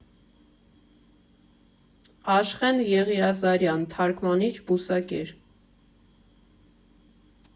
Աշխեն Եղիազարյան, թարգմանիչ, բուսակեր։